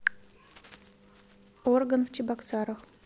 орган в чебоксарах